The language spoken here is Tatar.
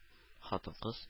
Хатын-кыз